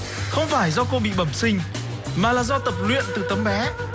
không phải do cô bị bẩm sinh mà là do tập luyện từ tấm bé